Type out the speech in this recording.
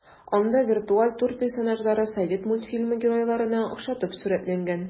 Анда виртуаль тур персонажлары совет мультфильмы геройларына охшатып сурәтләнгән.